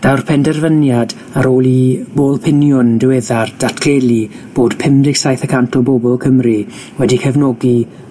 Daw'r penderfyniad ar ôl i bôl piniwn diweddar datgelu bod pum deg saith y cant o bobl Cymru wedi cefnogi